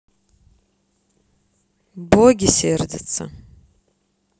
боги сердятся